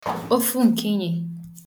ofu ǹkịnyị̀